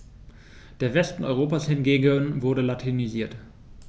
Der Westen Europas hingegen wurde latinisiert.